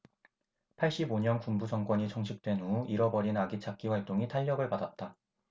팔십 오 년 군부 정권이 종식된 후 잃어버린 아기 찾기 활동이 탄력을 받았다